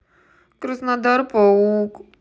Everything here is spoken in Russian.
краснодар паук